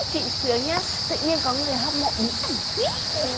chị sướng nhớ tự nhiên có người hâm mộ bí ẩn hí